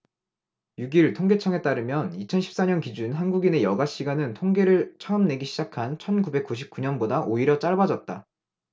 육 일 통계청에 따르면 이천 십 사 년 기준 한국인의 여가 시간은 통계를 처음 내기 시작한 천 구백 구십 구 년보다 오히려 짧아졌다